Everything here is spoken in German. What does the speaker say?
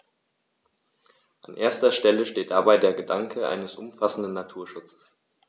An erster Stelle steht dabei der Gedanke eines umfassenden Naturschutzes.